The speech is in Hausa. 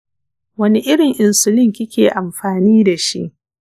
wani irin insulin kike amfani dashi?